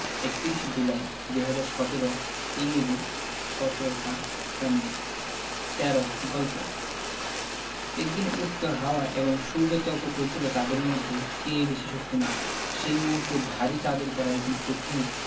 ৩১ July ২০১৭ ইংরেজি ১৭ টা ৬ minute ১৩ গল্প একদিন উত্তর হাওয়া এবং সূর্য তর্ক করছিল তাদের মধ্যে কে বেশি শক্তিমান সেই মুহূর্তে ভারি চাদর পরা একজন পথিক